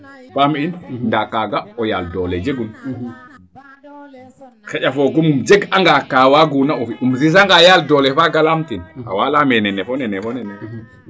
paam in ndaa kaaga o yaal doole jegun xaƴa foogum im jeg anga kaa waaguna o fi im sisa nga yaal doole faaga laamtin awaa leyaame nene fo nene